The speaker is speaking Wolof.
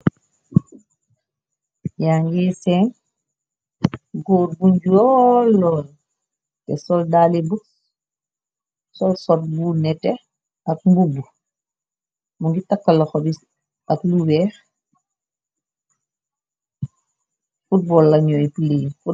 Yaa ngi seen góor bu njooloon te soldali bux sol sot bu nete ak mbubb mu ngi takkala xobis ak lu vex footbol lañuy pli.